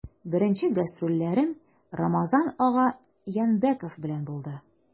Беренче гастрольләрем Рамазан ага Янбәков белән булды.